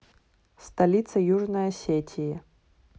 столица южной осетии